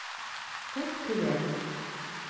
Кыз көлә.